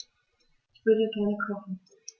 Ich würde gerne kochen.